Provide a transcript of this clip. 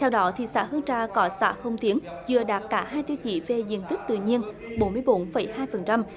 theo đó thị xã hương trà và cả xã hồng tiến chưa đạt cả hai tiêu chí về diện tích tự nhiên bốn mươi bốn phẩy hai phần trăm